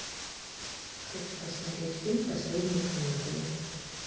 хочу посмотреть фильм последние каникулы